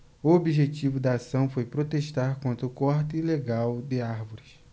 o objetivo da ação foi protestar contra o corte ilegal de árvores